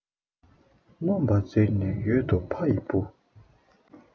ནོམ པ འཛིར ནས ཡོད དོ ཕ ཡི བུ